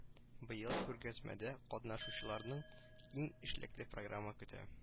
Быел күргәзмәдә катнашучыларны киң эшлекле программа көтә